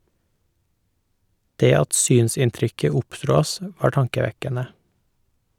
Det at synsinntrykket "oppdro" oss, var tankevekkende.